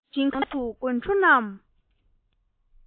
ཞིང ཁ འདིའི ནང གི དགུན གྲོ རྣམས